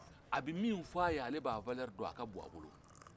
a bɛ min f'a ye ale b'a valeur dɔn a ka bon a bolo